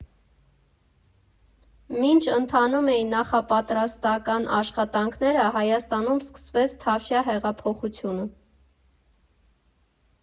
Մինչ ընթանում էին նախապատրաստական աշխատանքները, Հայաստանում սկսվեց Թավշյա հեղափոխությունը։